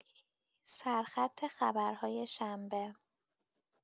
سرخط خبرهای شنبه